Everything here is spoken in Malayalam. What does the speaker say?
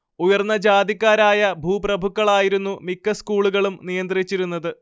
ഉയർന്ന ജാതിക്കാരായ ഭൂപ്രഭുക്കളായിരുന്നു മിക്ക സ്കൂളുകളും നിയന്ത്രിച്ചിരുന്നത്